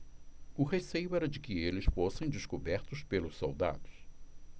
o receio era de que eles fossem descobertos pelos soldados